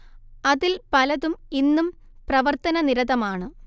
അതിൽ പലതും ഇന്നും പ്രവർത്തനനിരതമാണ്